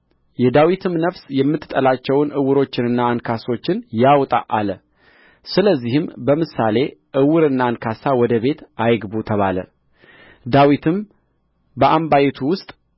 የዳዊትም ነፍስ የምትጠላቸውን ዕውሮችንና አንካሶችን ያውጣ አለ ስለዚህም በምሳሌ ዕውርና አንካሳ ወደ ቤት አይግቡ ተባለ ዳዊትም በአምባይቱ ውስጥ